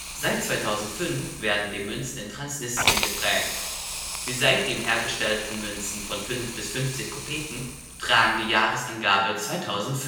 Seit 2005 werden die Münzen in Transnistrien geprägt. Die seitdem hergestellten Münzen von 5 bis 50 Kopeken tragen die Jahresangabe „ 2005